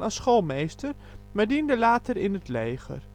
schoolmeester, maar diende later in het leger